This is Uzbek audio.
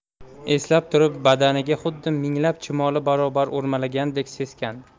eslab turib badanida xuddi minglab chumoli barobar o'rmalagandek seskandi